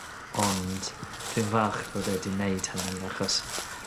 Ond dwi'n falch bod e 'di neud hynny achos